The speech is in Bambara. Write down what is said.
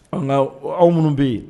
Nga aw munun be yen